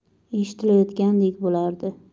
eshitilayotgandek bo'lardi